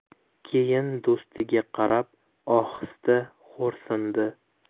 keyin do'stiga qarab ohista xo'rsindi